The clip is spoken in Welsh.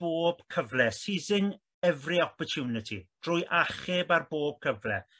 bob cyfle seizing every opportunity drwy achub ar bob cyfle